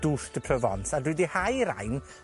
Douce de Provence, a dwi 'di hau rain